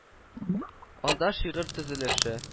Анда шигырь төзелеше